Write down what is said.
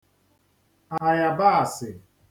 ayabaasị